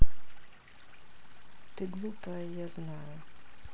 ты глупая я знаю